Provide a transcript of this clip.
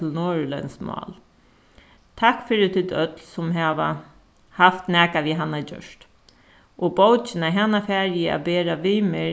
til norðurlendsk mál takk fyri tit øll sum hava havt nakað við hann at gjørt og bókina hana fari eg at bera við mær